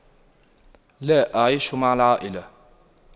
لا اعيش مع العائلة